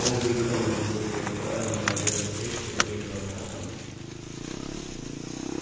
óviðkomandi lutir og evni eru ikki í rottanganum